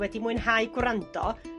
wedi mwynhau gwrando